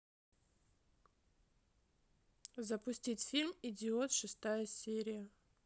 запустить фильм идиот шестая серия